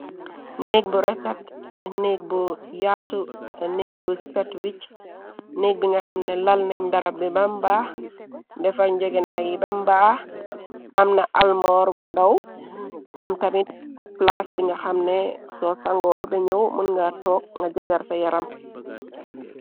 Neeg bu refet neeg bu yatu neeg bu seet wicx neeg bi nga xamne laal nen darambi bem bakx defar ngegenay bem bakx amna almur bu ndaw am tamit palas bi xamnex so sangu bex nyow mung ga tog nga garar da yaram.